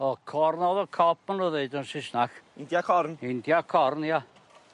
O corn on the cob ma' n'w ddeud yn Sysnach. India corn? India corn ia.